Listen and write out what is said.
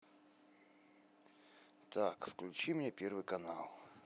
так включи мне первый канал